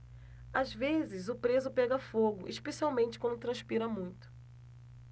às vezes o preso pega fogo especialmente quando transpira muito